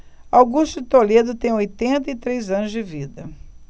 augusto de toledo tem oitenta e três anos de vida